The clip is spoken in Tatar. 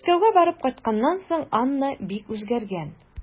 Мәскәүгә барып кайтканнан соң Анна бик үзгәргән.